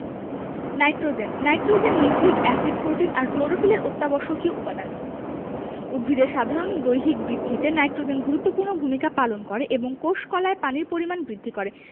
nitrogen nitrogen nucleic acid protein আর ক্লোরোফিলের অত্যাবশ্যকীয় উপাদান উদ্ভিদের সাধারণ দৈহিক বৃদ্ধিতে নাইট্রোজেন গুরুত্বপূর্ণ ভূমিকা পালন করে এবং কোষ কলায় পানির পরিমাণ বৃদ্ধি করে